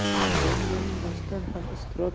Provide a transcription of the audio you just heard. jamilaning rostdan ham iztirob